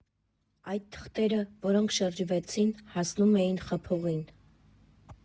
Այն թղթերը, որոնք շրջվեցին՝ հասնում էին խփողին։